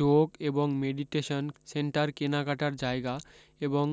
যোগ এবং meditation centre কেনাকাটার জায়গা এবং